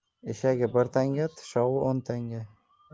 eshagi bir tanga tushovi o'n tanga